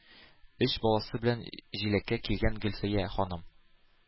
Өч баласы белән җиләккә килгән гөлфия ханым.